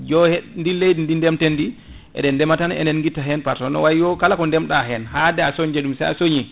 yo heb ndin leydi ndi ndeematen ndi eɗen ndeematan eɗen guitte hen par ce que no wayo kala ko ndeemɗa hen haada soñde ɗum sa soñi